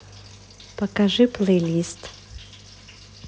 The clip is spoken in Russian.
покажи плейлист